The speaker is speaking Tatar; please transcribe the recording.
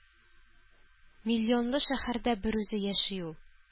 Миллионлы шәһәрдә берүзе яши ул.